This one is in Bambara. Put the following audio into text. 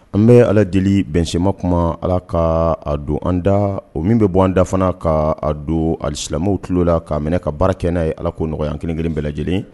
An bɛ ala deli bɛnɲɛma kuma ala ka a don an da o min bɛ bɔ anda fana ka a don ali silamɛw tulo la k kaa minɛ ka baara kɛ n'a ye ala k'o nɔgɔɔgɔ an kelenkelen bɛɛ lajɛlen